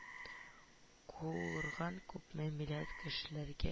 Курган, күпме милләт кешеләр